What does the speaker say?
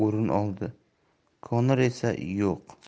oldi konor esa yo'q